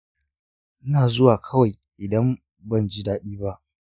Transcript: ina zuwa kawai idan ban ji daɗi ba.